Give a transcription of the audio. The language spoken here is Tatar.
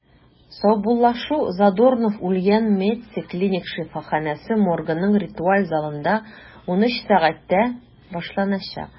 Саубуллашу Задорнов үлгән “МЕДСИ” клиник шифаханәсе моргының ритуаль залында 13:00 (мск) башланачак.